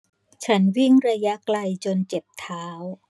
ฉันวิ่งระยะไกลจนเจ็บเท้า